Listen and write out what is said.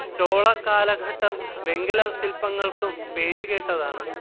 ചോള കാലഘട്ടം വെങ്കല ശില്പങ്ങൾക്കും പേരുകേട്ടതാണ്